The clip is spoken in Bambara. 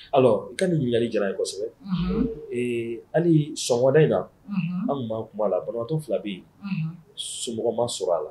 I ka nin mili jara ye kosɛbɛ hali sɔnɔnda in na an tun' tun b'a la banatɔ fila bɛ yen so ma sɔrɔ a la